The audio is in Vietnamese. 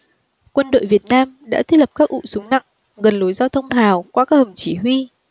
quân đội việt nam đã thiết lập các ụ súng nặng gần lối giao thông hào qua các hầm chỉ huy